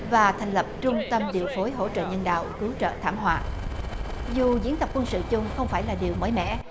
và thành lập trung tâm điều phối hỗ trợ nhân đạo cứu trợ thảm họa dù diễn tập quân sự chung không phải là điều mới mẻ